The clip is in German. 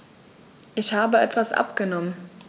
Ich habe etwas abgenommen.